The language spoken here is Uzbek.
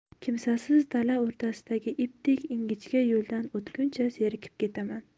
kimsasiz dala o'rtasidagi ipdek ingichka yo'ldan o'tguncha zerikib ketaman